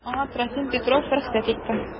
Аңа Трофим Петров рөхсәт итте.